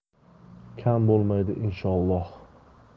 kam bo'lmaydi inshoolloh